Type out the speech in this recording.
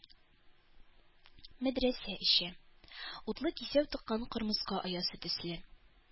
Мәдрәсә эче, утлы кисәү тыккан кырмыска оясы төсле,